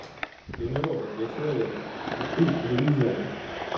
я не робот я человек это ты железяка